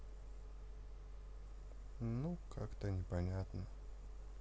ну как то неприятно